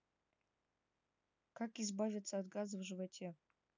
как избавиться от газа в животе